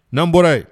N'an bɔra yen